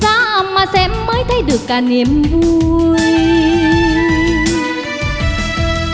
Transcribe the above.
ra mà xem mới thấy được cả niềm vui anh